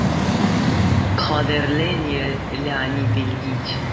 «кадерле леонид ильич!»